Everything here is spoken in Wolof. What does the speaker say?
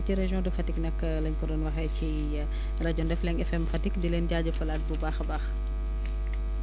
fii ci région de Fatick nag la ñu ko doon waxee ci rajo Ndefleng FM Fatick di leen jaajëfalaat daal bu baax a baax